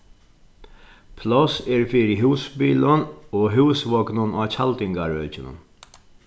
pláss er fyri húsbilum og húsvognum á tjaldingarøkinum